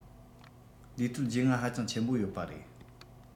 འདིའི ཐད རྒྱུས མངའ ཧ ཅང ཆེན པོ ཡོད པ རེད